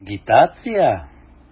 Агитация?!